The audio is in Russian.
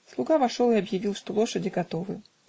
Слуга вошел и объявил, что лошади готовы.